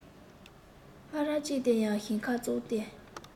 སྨ ར ཅན དེ ཡང ཞིང ཁར ཙོག སྟེ